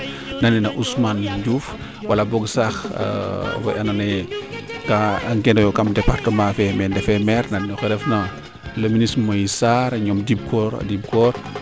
nan nen ousmane Diouf wala boog sax oxe ando naye kaa ngenoyo kam departement fee mais ndefee maire oxe refna le ministre Moise Sarr ñoom Dibcor